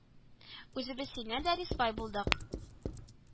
Үзебез синнән дә рисвай булдык